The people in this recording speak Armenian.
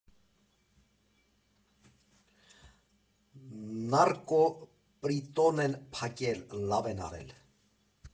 Նառկոպրիտոն են փակել, լավ են արել։